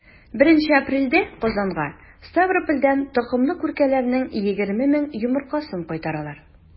1 апрельдә казанга ставропольдән токымлы күркәләрнең 20 мең йомыркасын кайтаралар.